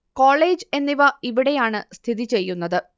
college എന്നിവ ഇവിടെയാണ് സ്ഥിതി ചെയ്യുന്നത്